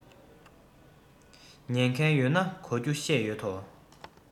ཉན མཁན ཡོད ན གོ རྒྱུ བཤད ཡོད དོ